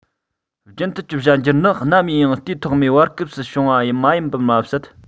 རྒྱུན མཐུད ཀྱི གཞན འགྱུར ནི ནམ ཡིན ཡང དུས ཐོག མའི བར སྐབས སུ བྱུང བ མ ཡིན པ མ ཟད